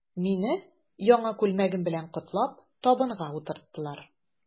Мине, яңа күлмәгем белән котлап, табынга утырттылар.